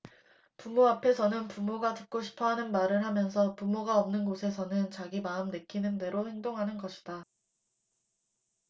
부모 앞에서는 부모가 듣고 싶어 하는 말을 하면서 부모가 없는 곳에서는 자기 마음 내키는 대로 행동하는 것이다